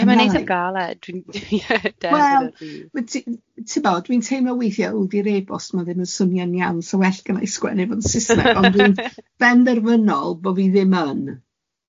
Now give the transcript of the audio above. Ie mae'n eitha galed, dwi'n ie definitely. Wel, ma' ti'n tibod, dwi'n teimlo weithiau, w, di'r e-bost ma' ddim yn swnio'n iawn, sa well gynna i sgwennu fo'n Saesneg ond dwi'n ben dderfynol bo' fi ddim yn.